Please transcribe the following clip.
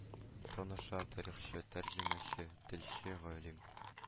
Таныша, тарихчы, тəрҗемəче, телче, галим,